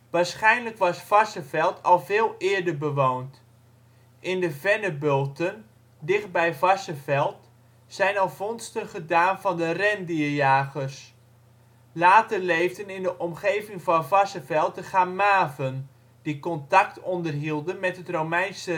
Waarschijnlijk was Varsseveld al veel eerder bewoond. In de Vennebulten (dicht bij Varsseveld) zijn al vondsten gedaan van de rendierjagers. Later leefden in de omgeving van Varsseveld de Chamaven, die contact onderhielden met het Romeinse